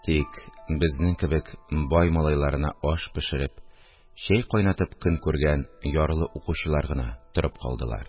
Тик, безнең кебек, бай малайларына аш пешереп, чәй кайнатып көн күргән ярлы укучылар гына торып калдылар